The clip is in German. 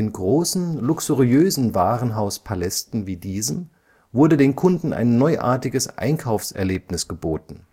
großen, luxuriösen Warenhauspalästen wie diesem wurde den Kunden ein neuartiges Einkaufserlebnis geboten